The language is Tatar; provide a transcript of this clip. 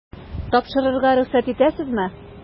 Тапшырырга рөхсәт итәсезме? ..